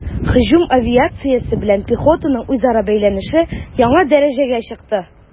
Һөҗүм авиациясе белән пехотаның үзара бәйләнеше яңа дәрәҗәгә чыкты.